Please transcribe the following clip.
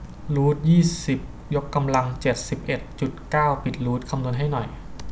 รูทยี่สิบยกกำลังเจ็ดสิบเอ็ดจุดเก้าปิดรูทคำนวณให้หน่อย